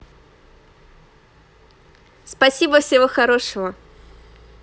спасибо всего хорошего